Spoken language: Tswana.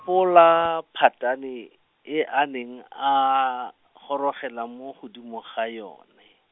-pola phatane, e a neng a, gorogela mo godimo ga yone.